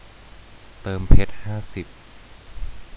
เติมเพชรห้าสิบ